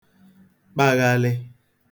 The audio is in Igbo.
kpaghalị